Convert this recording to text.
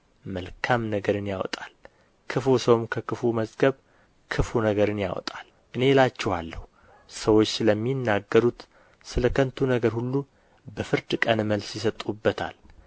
መልካም ነገርን ያወጣል ክፉ ሰውም ከክፉ መዝገብ ክፉ ነገርን ያወጣል እኔ እላችኋለሁ ሰዎች ስለሚናገሩት ስለ ከንቱ ነገር ሁሉ በፍርድ ቀን መልስ ይሰጡበታል